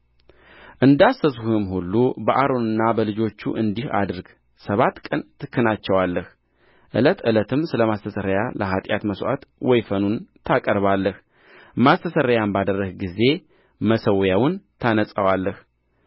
እንዳዘዝሁህም ሁሉ በአሮንና በልጆቹ እንዲህ አድርግ ሰባት ቀን ትክናቸዋለህ ዕለት ዕለትም ስለ ማስተስረይ ለኃጢአት መሥዋዕት ወይፈኑን ታቀርባለህ ማስተስረያም ባደረግህ ጊዜ መሠዊያውን ታነጻዋለህ